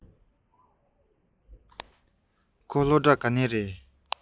ཁོང སློབ གྲྭ ག ནས རེས